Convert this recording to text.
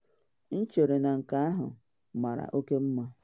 M chere na nke ahụ mara oke mma.”